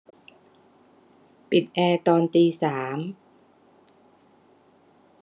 ปิดแอร์ตอนตีสาม